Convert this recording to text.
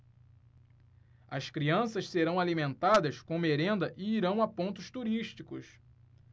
as crianças serão alimentadas com merenda e irão a pontos turísticos